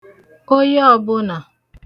oye ọ̀bụnà